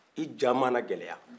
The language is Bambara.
i ja mana gɛlɛya